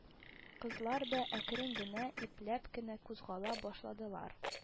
Кызлар да әкрен генә, ипләп кенә кузгала башладылар